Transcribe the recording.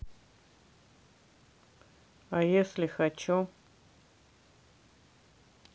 а если хочу